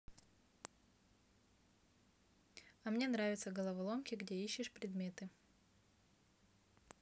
а мне нравятся головоломки где ищешь предметы